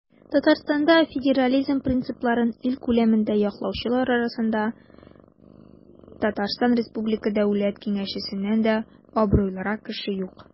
Татарстанда федерализм принципларын ил күләмендә яклаучылар арасында ТР Дәүләт Киңәшчесеннән дә абруйлырак кеше юк.